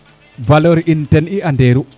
valeur in ten i anderu